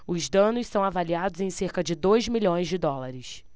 os danos são avaliados em cerca de dois milhões de dólares